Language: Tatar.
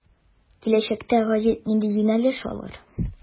Киләчәктә гәзит нинди юнәлеш алыр.